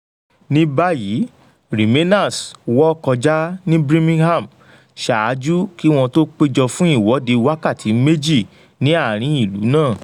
Níbàyí, Ramainers wọ́ kọjá ní Birmingham ṣáájú kí wọ́n tó péjọ fún ìwọ́de wákàtí méjì ní àárín ìlú náà.